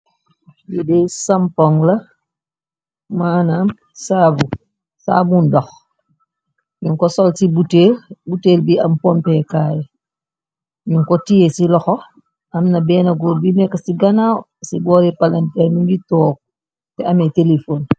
lideey sampong la manam saabu dox ñu ko sol ci buteel bi am pompekaay ñu ko tiee ci loxo amna benn góor bi nekk ci ganaaw ci boori palante nu ngi took te ame telefon